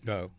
waaw